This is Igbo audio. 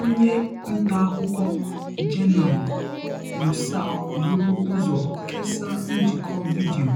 Onye ntaakụkọ Jenan Moussa buru ụzọ kesaa njịkọ vidiyo